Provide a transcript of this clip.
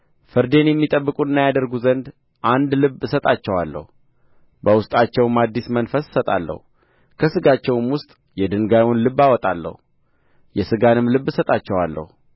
ፍርዴንም ይጠብቁና ያደርጉ ዘንድ አንድ ልብ እሰጣቸዋለሁ በውስጣቸውም አዲስ መንፈስ እሰጣለሁ ከሥጋቸውም ውስጥ የድንጋዩን ልብ አወጣለሁ የሥጋንም ልብ እሰጣቸዋለሁ